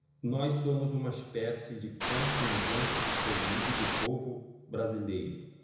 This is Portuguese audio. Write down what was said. nós somos uma espécie de contingente escolhido do povo brasileiro